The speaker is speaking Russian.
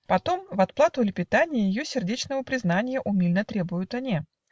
Потом, в отплату лепетанья, Ее сердечного признанья Умильно требуют оне.